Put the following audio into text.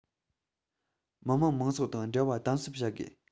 མི དམངས མང ཚོགས དང འབྲེལ བ དམ ཟབ བྱ དགོས